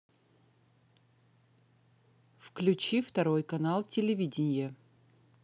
включи второй канал телевидения